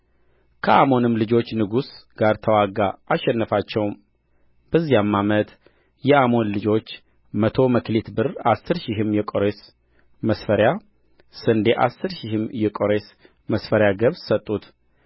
ከአሞንም ልጆች ንጉሥ ጋር ተዋጋ አሸነፋቸውም በዚያም ዓመት የአሞን ልጆች መቶ መክሊት ብር አሥር ሺህም የቆሬስ መስፈሪያ ስንዴ አሥር ሺህም የቆሬስ መሥፈሪያ ገብስ ሰጡት